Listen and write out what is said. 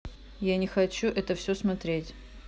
я не хочу это все смотреть